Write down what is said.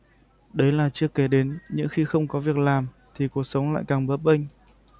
đấy là chưa kể đến những khi không có việc làm thì cuộc sống lại càng bấp bênh